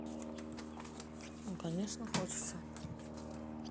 ну конечно хочется